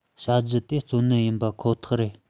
བྱ རྒྱུ དེ གཙོ གནད ཡིན པ ཁོ ཐག རེད